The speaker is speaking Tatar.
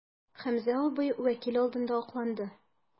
Хәмзә абый вәкил алдында акланды.